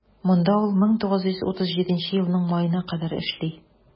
Монда ул 1937 елның маена кадәр эшли.